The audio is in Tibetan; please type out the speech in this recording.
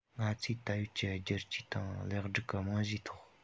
ང ཚོས ད ཡོད ཀྱི བསྒྱུར བཅོས དང ལེགས སྒྲིག གི རྨང གཞིའི ཐོག